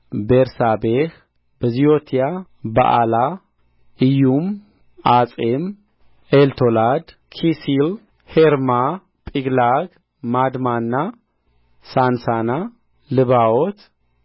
ቤርሳቤህ ቢዝዮትያ በኣላ ዒዪም ዓጼም ኤልቶላድ ኪሲል ሔርማ ጺቅላግ ማድማና ሳንሳና ልባዎት